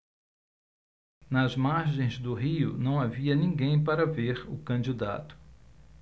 nas margens do rio não havia ninguém para ver o candidato